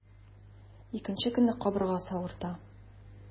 Икенче көнне кабыргасы авырта.